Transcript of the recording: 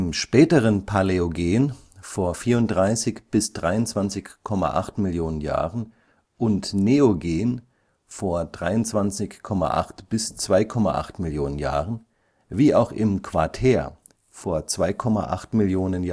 späteren Paläogen (vor 34-23,8 Millionen Jahren) und Neogen (vor 23,8-2,8 Millionen Jahren) wie auch im Quartär (vor 2,8-0,01 Millionen